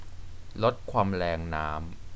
ลดความแรงน้ำ